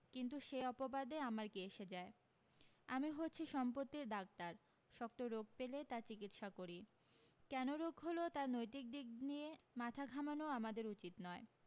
কিন্তু সেই অপবাদে আমার কী এসে যায় আমি হচ্ছি সম্পত্তির ডাক্তার শক্ত রোগ পেলে তার চিকিৎসা করি কেন রোগ হলো তার নৈতিক দিক নিয়ে মাথা ঘামানো আমাদের উচিত নয়